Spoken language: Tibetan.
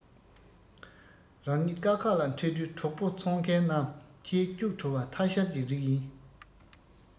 རང ཉིད དཀའ ཁག ལ འཕྲད དུས གྲོགས པོ འཚོང མཁན རྣམས ཆེས སྐྱུག བྲོ བ ཐ ཤལ གྱི རིགས ཡིན